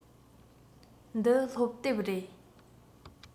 འདི སློབ དེབ རེད